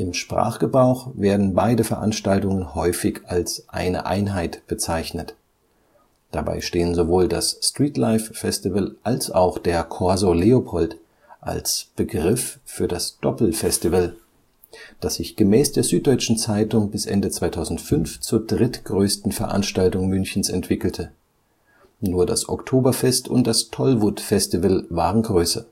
Sprachgebrauch werden beide Veranstaltungen häufig als eine Einheit bezeichnet. Dabei stehen sowohl das Streetlife Festival als auch der Corso Leopold als Begriff für das Doppelfestival, das sich gemäß der Süddeutschen Zeitung bis Ende 2005 zur drittgrößten Veranstaltung Münchens entwickelte. Nur das Oktoberfest und das Tollwood-Festival waren größer